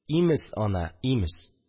Имез, ана, имез